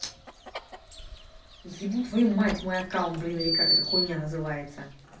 ебу твою мать мой аккаунт блин или как эта хуйня называется